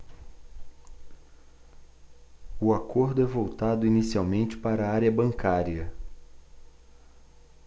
o acordo é voltado inicialmente para a área bancária